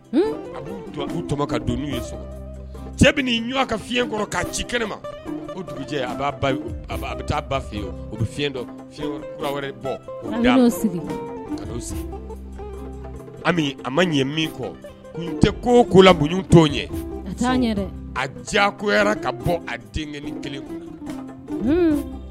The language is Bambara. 'u cɛ ka fiɲɛ kɔrɔ k'a ci kɛnɛ majɛ bɛ taa bɔ a ma ɲɛ min kɔ tɛ ko kolanbugu tɔw a diyayara ka bɔ a den kelen